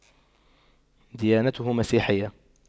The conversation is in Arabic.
ديانته مسيحية